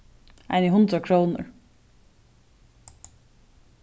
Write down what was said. eini hundrað krónur